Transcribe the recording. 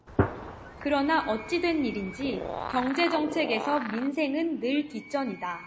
그러나 어찌된 일인지 경제정책에서 민생은 늘 뒷전이다